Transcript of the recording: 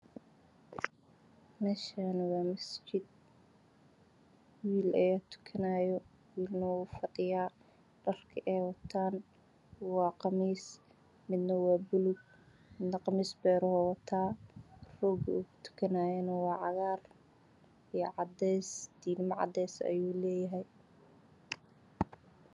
Meeshaan Waa masaajid wiil ayaa tukanaayo wiilna waa fadhiyaa, dharka ay wataan waa qamiisyo mid waa buluug midna qamiis beer ah. Rooga uu kutukanaayo waa cagaar iyo cadeys.